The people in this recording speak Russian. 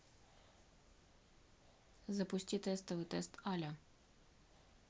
запусти тестовый тест аля